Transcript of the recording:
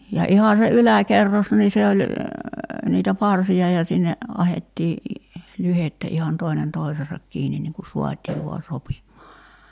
ja ihan se yläkerros niin se oli niitä parsia ja sinne ahdettiin lyhdettä ihan toinen toisensa kiinni niin kuin saatiin vain sopimaan